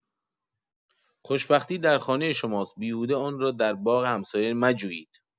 خوشبختی در خانه شماست بیهوده آن را در باغ همسایه مجویید.